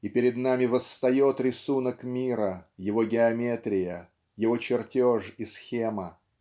и перед нами восстает рисунок мира его геометрия его чертеж и схема?